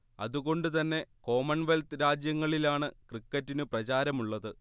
അതുകൊണ്ടുതന്നെ കോമൺവെൽത്ത് രാജ്യങ്ങളിലാണ് ക്രിക്കറ്റിനു പ്രചാരമുള്ളത്